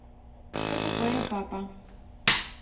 что такое папа